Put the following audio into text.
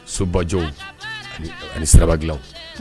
So ba bɔw ani siraba gilanw.